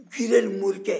gireli mɔrikɛ